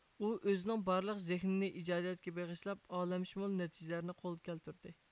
ئۇ ئۆزىنىڭ بارلىق زىھنىنى ئىجادىيەتكە بېغىشلاپ ئالەمشۇمۇل نەتىجىلەرنى قولغا كەلتۈردى